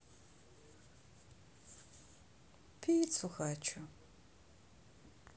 пиццу хочу